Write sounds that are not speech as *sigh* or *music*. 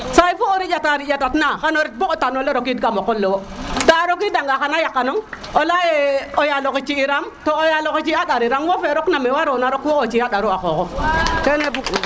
saay fu o riƴata riƴatina xan ret bo tana le rokid kama qol lewota a roki daga xana yaqa noŋ o leya ye *hesitation* o yala xe ci iramto o yala xe ci a ndari rang wo fe rok na me waro na roq wo o ci andaru a xoxof ken bug uma